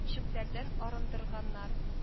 Чүпләрдән арындырганнар